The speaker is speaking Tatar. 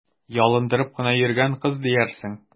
Ялындырып кына йөргән кыз диярсең!